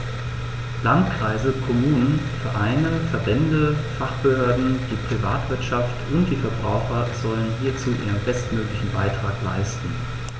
Landkreise, Kommunen, Vereine, Verbände, Fachbehörden, die Privatwirtschaft und die Verbraucher sollen hierzu ihren bestmöglichen Beitrag leisten.